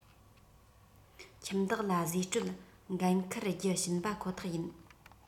ཁྱིམ བདག ལ བཟོས སྤྲོད འགན འཁུར རྒྱུ བྱིན པ ཁོ ཐག ཡིན